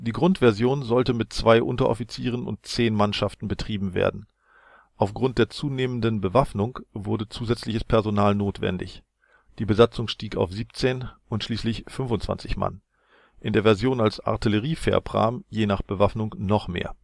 Grundversion sollte mit zwei Unteroffizieren und zehn Mannschaften betrieben werden. Aufgrund der zunehmenden Bewaffnung wurde zusätzliches Personal notwendig. Die Besatzung stieg auf 17 und schließlich 25 Mann, in der Version als Artilleriefährprahm je nach Bewaffnung noch mehr